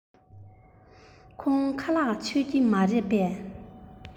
ཁོང ཁ ལག མཆོད ཀྱི མ རེད པས